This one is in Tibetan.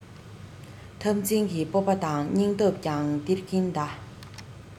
འཐབ འཛིང གི སྤོབས པ དང སྙིང སྟོབས ཀྱང སྟེར གྱིན གདའ